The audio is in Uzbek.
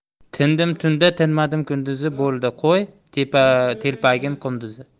tindim tunda tinmadim kunduzi bo'ldi qo'y telpagim qunduzi